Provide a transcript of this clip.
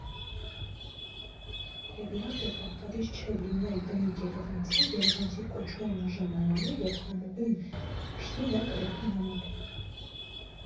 Եվ, իհարկե, պարտադիր չէ լինել բնիկ երևանցի՝ «երևանցի» կոչմանն արժանանալու և համանուն փինը կրելու համար։